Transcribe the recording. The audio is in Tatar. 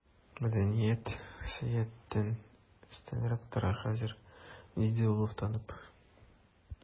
Мәдәният сәясәттән өстенрәк тора хәзер, диде ул уфтанып.